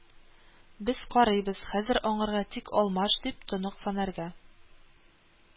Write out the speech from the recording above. Без карыйбыз хәзер аңарга Тик алмаш, дип, тонык фонарьга